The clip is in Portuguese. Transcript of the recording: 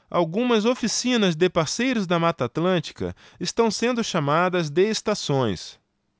algumas oficinas de parceiros da mata atlântica estão sendo chamadas de estações